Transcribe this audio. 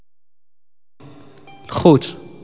اخوك